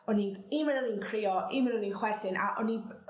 o'n i'n un munu o'n i'n crio un munu o'n i'n chwerthin a o'n i b-